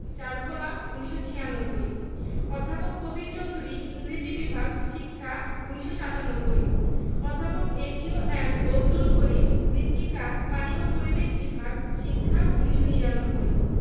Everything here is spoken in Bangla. চারুকলা ১৯৯৬ অধ্যাপক কবীর চৌধুরী ইংরেজি বিভাগ শিক্ষা ১৯৯৭ অধ্যাপক A Q M Bazlul Karim মৃত্তিকা পানি ও পরিবেশ বিভাগ শিক্ষা ১৯৯৯